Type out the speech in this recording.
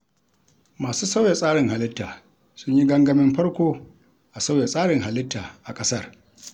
Masu sauya tsarin halitta sun yi gangamin farko a sauya tsarin halitta a ƙasar.